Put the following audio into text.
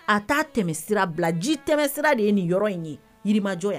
A taa tɛmɛ sira bila ji tɛmɛsira de ye nin yɔrɔ in ye yirimajɔya